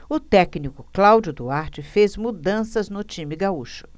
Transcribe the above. o técnico cláudio duarte fez mudanças no time gaúcho